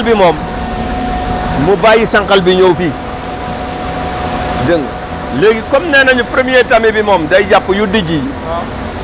léegi sànqal bi moom mu bàyyi sànqal bi ñëw fii dégg nga léegi comme nee nañu premier tamis bi moom day jàpp yu dijj yi